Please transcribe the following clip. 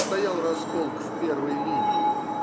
Стоял раз полк в первой линии